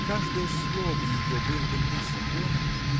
Каждое слово ее было бы мне законом.